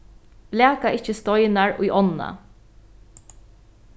blaka ikki steinar í ánna